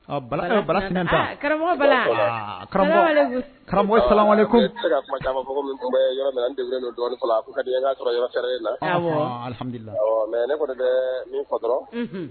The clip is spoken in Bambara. Aa karamɔgɔ Bala sala muhalekum. Karamɔgɔ wala muhalekum. Ɛɛ n te se ka kuma caman fɔ comme n ne yɔrɔ min na n dekunne don dɔɔni fɔlɔ. A kun ka di n ye n kaw sɔrɔ yɔrɔ fɛrɛlen na. Awɔ mais ne kɔni bɛ min fɔ dɔrɔn Unhun